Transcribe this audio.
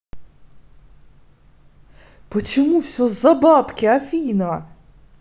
почему все за бабки афина